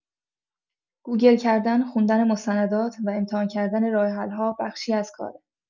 گوگل کردن، خوندن مستندات و امتحان کردن راه‌حل‌ها بخشی از کاره.